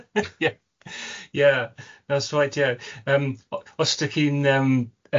ie. Ie, that's right ie yym o- os dach chi'n yym yy